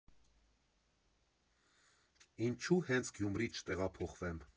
Ինչո՞ւ հենց Գյումրի չտեղափոխվեմ։